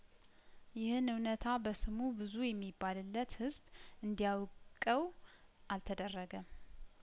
ይህን እውነታ በስሙ ብዙ የሚባልለት ህዝብ እንዲ ያውቀው አልተደረገም